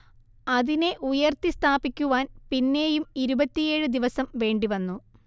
അതിനെ ഉയർത്തി സ്ഥാപിക്കുവാൻ പിന്നെയും ഇരുപത്തിയേഴ് ദിവസം വേണ്ടിവന്നു